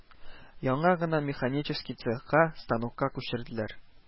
Яңа гына механический цехка, станокка күчерделәр